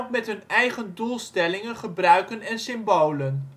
met hun eigen doelstellingen, gebruiken en symbolen